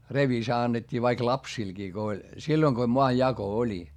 revisa annettiin vaikka lapsillekin kun oli silloin kun maanjako oli